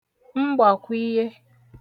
mgbakwiye